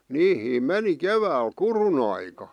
niihin meni keväällä kudun aikaan